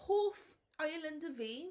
Hoff islander fi?